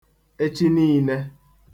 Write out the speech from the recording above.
echiniīnē